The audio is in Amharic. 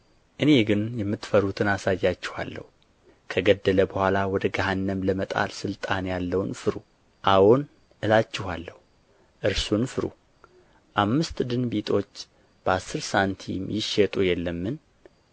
እኔ ግን የምትፈሩትን አሳያችኋለሁ ከገደለ በኋላ ወደ ገሃነም ለመጣል ሥልጣን ያለውን ፍሩ አዎን እላችኋለሁ እርሱን ፍሩ አምስት ድንቢጦች በአሥር ሳንቲም ይሸጡ የለምን